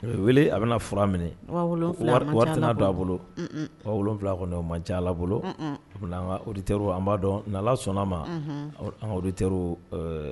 A bɛ weele, a bɛ na fura minɛ. Wa wolonwula man ca ala bolo. Wari tɛna don a bolo. Un un. Wa wolonwula kɔni o man ca ala bolo. Un un. An ka auditeurs u n'ala sɔnn'a ma. Unhun. An ka auditeurs uu